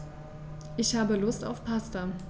Ich habe Lust auf Pasta.